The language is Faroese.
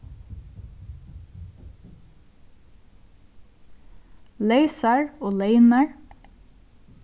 leysar og leynar